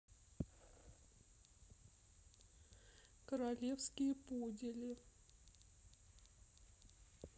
королевские пудели